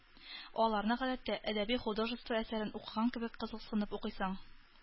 Аларны, гадәттә, әдәби-художество әсәрен укыган кебек кызыксынып укыйсың.